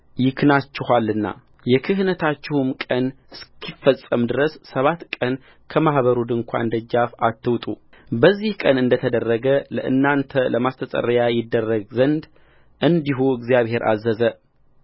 ይክናችኋልና የክህነታችሁ ቀን እስኪፈጸም ድረስ ሰባት ቀን ከማኅበሩ ድንኳን ደጃፍ አትውጡበዚህ ቀን እንደ ተደረገ ለእናንተ ለማስተስረያ ይደረግ ዘንድ እንዲሁ እግዚአብሔር አዘዘ